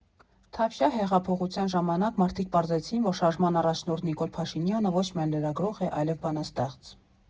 Թավշյա հեղափոխության ժամանակ մարդիկ պարզեցին, որ շարժման առաջնորդ Նիկոլ Փաշինյանը ոչ միայն լրագրող է, այլև բանասատեղծ։